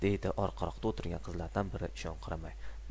deydi orqaroqda o'tirgan qizlardan biri ishonqiramay